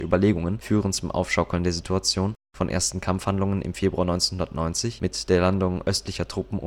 Überlegungen führen zum Aufschaukeln der Situation, von ersten Kampfhandlungen im Februar 1990 mit der Landung östlicher Truppen